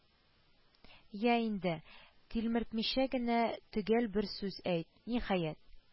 – йә инде, тилмертмичә генә төгәл бер сүз әйт, ниһаять: